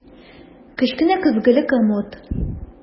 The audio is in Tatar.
Кечкенә көзгеле комод.